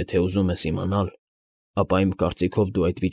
Եթե ուզում ես իմանալ, ապա իմ կարծիքով դու այդ։